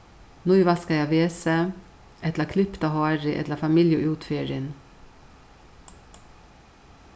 nývaskaða vesið ella klipta hárið ella familjuútferðin